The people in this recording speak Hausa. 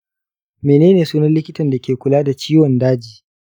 menene sunan likitan da ke kula da ciwon daji?